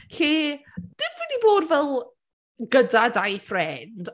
Lle... deud bo' fi 'di bod fel gyda dau ffrind...